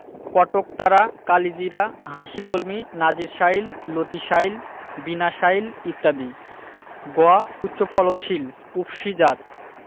কটকতারা কালিজিরা হাসিকলমি নাজির শাইল লতিশাইল বিনাশাইল ইত্যাদি গ উচ্চফলনশীল উফশী জাতঃ